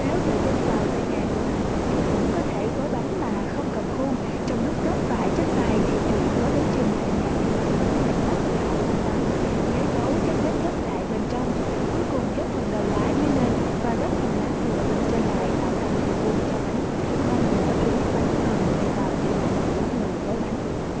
nếu tự tin vào tay nghề của mình thì cũng có thể gói bánh mà không cần khuôn trong lúc gấp phải chắc tay thì chuyện gói bánh chưng tại nhà như vậy mới đẹp mắt và vuông vắn nhớ giấu các mép gấp lại bên trong cuối cùng gấp phần đầu lá dưới lên và gấp phần lá thừa bên trên lại tạo thành hình vuông cho bánh ngon dở của chiếc bánh còn tùy vào chữ tình của người gói bánh